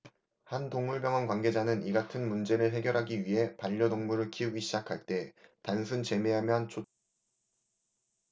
한 동물병원 관계자는 이같은 문제를 해결하기 위해 반려동물을 키우기 시작할 때 단순 재미에만 초점을 맞춰서는 안된다고 조언했다